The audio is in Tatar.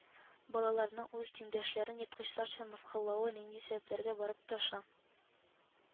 Балаларның үз тиңдәшләрен ерткычларча мыскыллавы нинди сәбәпләргә барып тоташа